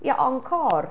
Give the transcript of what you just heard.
Ie, Encôr.